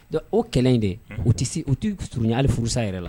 Don o kɛlɛ in de u tɛ u tɛ surunyali furusa yɛrɛ la